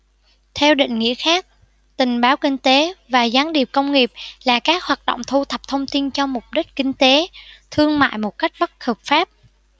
theo định nghĩa khác tình báo kinh tế và gián điệp công nghiệp là các hoạt động thu thập thông tin cho mục đích kinh tế thương mại một cách bất hợp pháp